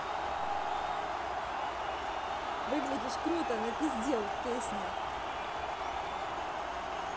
выглядишь круто напиздел песня